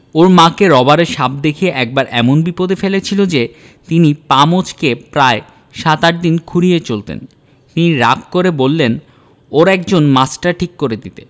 ওর মাকে রবারের সাপ দেখিয়ে একবার এমন বিপদে ফেলেছিল যে তিনি পা মচ্কে প্রায় সাত আটদিন খুঁড়িয়ে চলতেন তিনি রাগ করে বললেন ওর একজন মাস্টার ঠিক করে দিতে